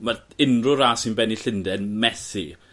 'Ma unryw ras sy'n benni Llunden methu.